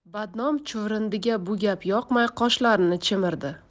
badnom chuvrindiga bu gap yoqmay qoshlarini chimirdi